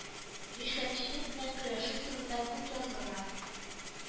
Ришвәтчелек белән көрәшү турында күп язалар